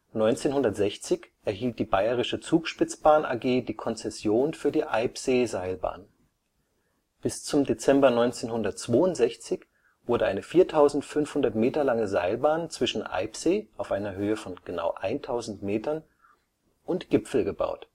1960 erhielt die Bayerische Zugspitzbahn AG die Konzession für die Eibseeseilbahn. Bis zum Dezember 1962 wurde eine 4500 m lange Seilbahn zwischen Eibsee (1000 m) und Gipfel gebaut